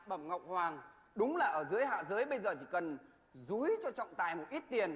bẩm ngọc hoàng đúng là ở dưới hạ giới bây giờ chỉ cần dúi cho trọng tài một ít tiền